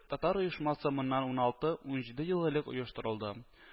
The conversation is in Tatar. Татар оешмасы моннан уналты - унҗиде ел элек оештырылды